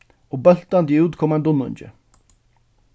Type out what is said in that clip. og bóltandi út kom ein dunnuungi